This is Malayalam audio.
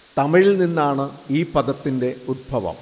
തമിഴിൽ നിന്നാണ് ഈ പദത്തിന്റെ ഉദ്ഭവം